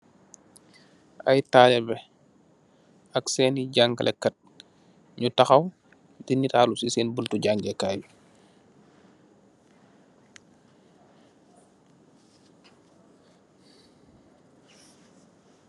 Ay talibe ak seeni jangalekat nyu taxaaw di nitaalu si seen buntu jangekaay